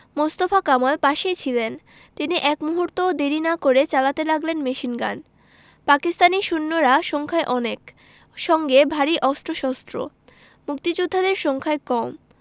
মোস্তফা কামাল পাশেই ছিলেন তিনি এক মুহূর্তও দেরি না করে চালাতে লাগলেন মেশিনগান পাকিস্তানি সৈন্যরা সংখ্যায় অনেক সঙ্গে ভারী অস্ত্রশস্ত্র মুক্তিযোদ্ধারা সংখ্যায় কম